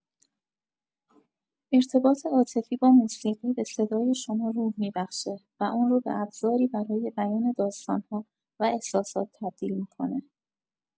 ارتباط عاطفی با موسیقی به صدای شما روح می‌بخشه و اون رو به ابزاری برای بیان داستان‌ها و احساسات تبدیل می‌کنه.